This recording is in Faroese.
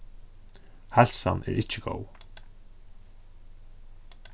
heilsan er ikki góð